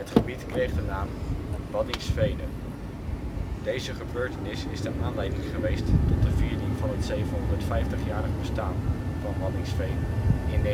gebied kreeg de naam ' Waddinxvene '. Deze gebeurtenis is de aanleiding geweest tot de viering van het 750-jarig bestaan van Waddinxveen in 1983